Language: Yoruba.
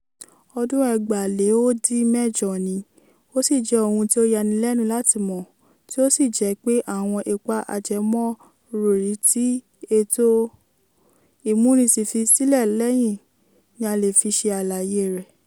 Ọdún 2012 ni, ó sì jẹ́ ohun tí ó yani lẹ́nu láti mọ̀ tí ó sì jẹ́ pé àwọn ipa ajẹmọ́ròrí tí ètò ìmúnisìn fi sílẹ̀ lẹ́yìn ni a lè fi ṣe àlàyé rẹ̀.